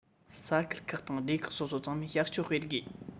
ས ཁུལ ཁག དང སྡེ ཁག སོ སོ ཚང མས བྱ སྤྱོད སྤེལ དགོས